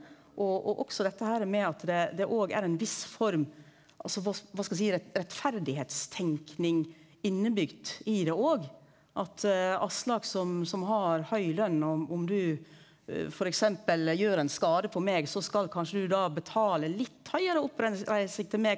og og også dette herne med at det òg er ein viss form altså kva skal ein seie rettferdstenking innebygd i det òg at Aslak som som som har høg løn om om du f.eks. gjer ein skade på meg så skal kanskje du da betale litt høgare oppreising til meg.